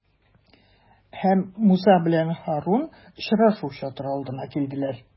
Һәм Муса белән Һарун очрашу чатыры алдына килделәр.